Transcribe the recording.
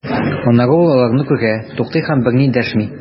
Аннары ул аларны күрә, туктый һәм берни дәшми.